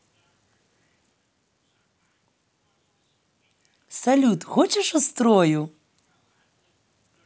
салют хочешь устрою